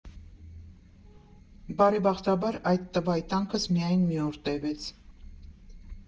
Բարեբախտաբար, այդ տվայտանքս միայն մի օր տևեց։